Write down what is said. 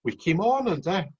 wicimôn ynde?